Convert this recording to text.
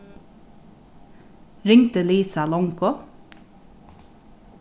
ringdi lisa longu